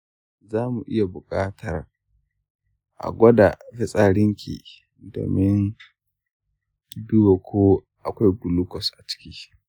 za mu iya bukatar a gwada fitsarinki domin duba ko akwai glucose a ciki.